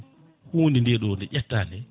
hunde ndeɗo nde ƴetta nde